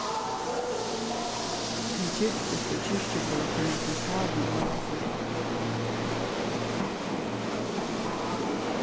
tey giftust í kirkjubø fyri nøkrum fáum árum síðan